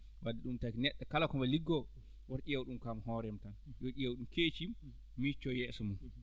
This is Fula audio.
wadde ɗum taki neɗɗo kala komo liggoo woto ƴeew ɗum tan hoore mum tan yo ƴeew ɗo keccim micco yeeso mum